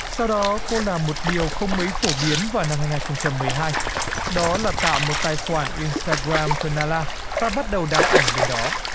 sau đó cô là một điều không mấy phổ biến vào năm hai ngàn không trăm mười hai đó là tạo một tài khoản in sờ ta gờ ram cho na la và bắt đầu đăng ảnh lên đó